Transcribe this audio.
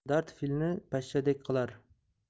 dard filni pashshadek qilar